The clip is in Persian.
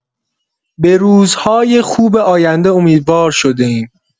به روزهای خوب آینده امیدوار شده‌ایم.